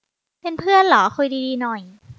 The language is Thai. เป็นเพื่อนเหรอคุยดีดีหน่อย